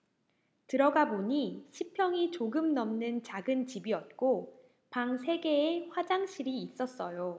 들어가보니 십 평이 조금 넘는 작은 집이었고 방 세 개에 화장실이 있었어요